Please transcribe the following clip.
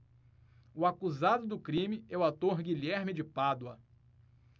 o acusado do crime é o ator guilherme de pádua